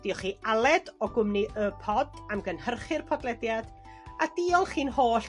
Diolch i Aled o gwmni Y Pod am gynhyrchu'r podlediad a diolch i'n holl